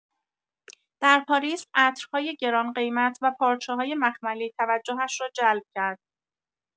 در پاریس، عطرهای گران‌قیمت و پارچه‌های مخملی توجهش را جلب کرد.